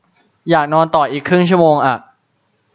อยากนอนต่ออีกครึ่งชั่วโมงอะ